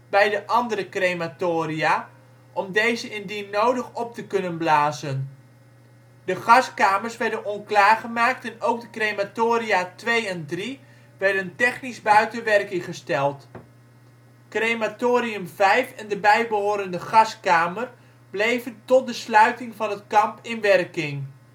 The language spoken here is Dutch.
bij de andere crematoria om deze indien nodig op te kunnen blazen. De gaskamers werden onklaar gemaakt en ook de crematoria II en III werden technisch buiten werking gesteld. Crematorium V en de bijbehorende gaskamer bleven tot de sluiting van het kamp in werking